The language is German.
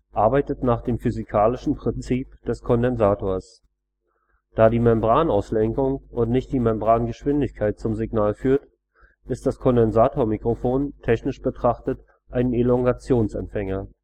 arbeitet nach dem physikalischen Prinzip des Kondensators. Da die Membranauslenkung und nicht die Membrangeschwindigkeit zum Signal führt, ist das Kondensatormikrofon technisch betrachtet ein Elongationsempfänger